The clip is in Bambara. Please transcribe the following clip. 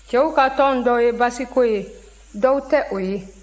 cɛw ka tɔn dɔw ye basiko ye dɔw tɛ o ye